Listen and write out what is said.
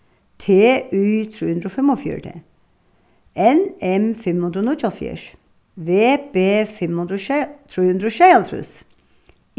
t y trý hundrað og fimmogfjøruti n m fimm hundrað og níggjuoghálvfjerðs v b fimm hundrað og trý hundrað og sjeyoghálvtrýss